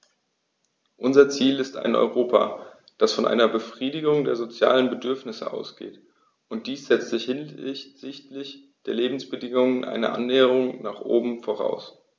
Unser Ziel ist ein Europa, das von einer Befriedigung der sozialen Bedürfnisse ausgeht, und dies setzt hinsichtlich der Lebensbedingungen eine Annäherung nach oben voraus.